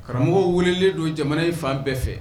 Karamɔgɔ welelen don jamana in fan bɛɛ fɛ